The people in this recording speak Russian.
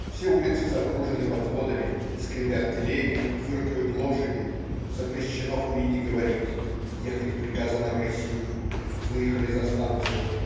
Все улицы запружены подводами. Скрипят телеги. Фыркают лошади. Запрещено курить и говорить. Ехать приказано рысью. Выехали за станицу.